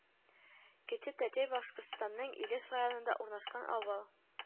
Кече Тәҗәй Башкортстанның Илеш районында урнашкан авыл